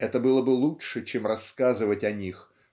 Это было бы лучше, чем рассказывать о них